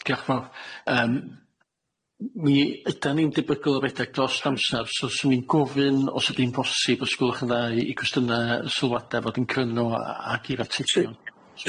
Ocê, diolch yn fawr, yym mi ydan ni'n debygol o redeg dros amsar so 'swn i'n gofyn os ydi'n bosib os gwelwch yn dda i cwestiyna a sylwada fod yn cryno a- ag yr atebion.